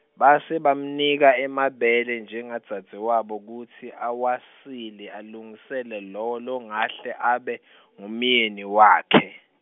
base bamnika emabele njengadzadzewabo kutsi awasile, alungisele lowo longahle abe , ngumyeni wakhe.